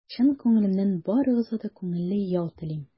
Чын күңелемнән барыгызга да күңелле ял телим!